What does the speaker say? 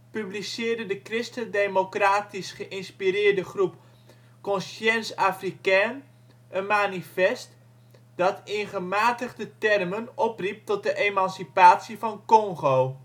publiceerde de christendemocratisch geïnspireerde groep ' Conscience africaine ' een manifest dat in gematigde termen opriep tot de emancipatie van Congo